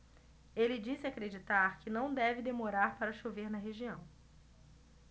ele disse acreditar que não deve demorar para chover na região